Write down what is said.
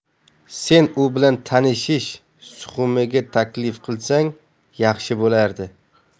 sen u bilan tanishib suxumiga taklif qilsang yaxshi bo'lardi